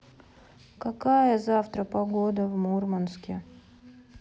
какая завтра погода в мурманске